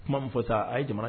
Kuma min fɔ sa a ye jamana